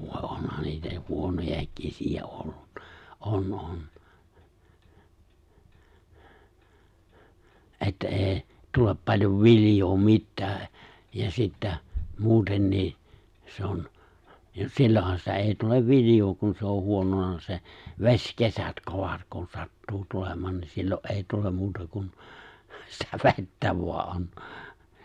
voi onhan niitä huonojakin kesiä ollut on on että ei tule paljon viljaa mitään ja sitten muutenkin se on ja silloinhan sitä ei tule viljaa kun se on huonona se vesikevät kovat kun sattuu tulemaan niin silloin ei tule muuta kuin sitä vettä vain on